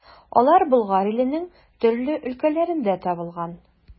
Алар Болгар иленең төрле өлкәләрендә табылган.